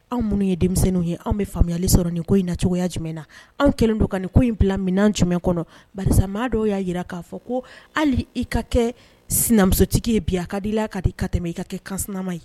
Anw minnu ye denmisɛnninw ye anw bɛ faamuyali sɔrɔ nin ko in na cogoya jumɛn na? Aw kɛlen don ka nin ko in bila minɛ jumɛn kɔnɔ? Barisa maa dɔw y'a jira k'a fɔ ko hali i ka kɛ sinanmusotigi ye bi, a ka d'i la ka tɛmɛ i ka kɛ kansinan ma ye